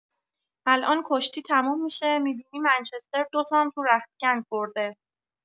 الان کشتی تموم می‌شه می‌بینی منچستر دوتام توو رختکن خورده